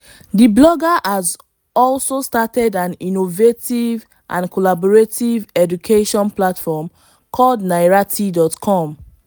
This blogger has also started an innovative and collaborative education platform called 9rayti.com.